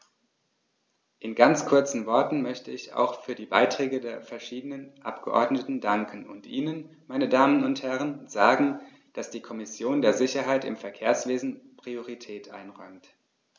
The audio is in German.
In ganz kurzen Worten möchte ich auch für die Beiträge der verschiedenen Abgeordneten danken und Ihnen, meine Damen und Herren, sagen, dass die Kommission der Sicherheit im Verkehrswesen Priorität einräumt.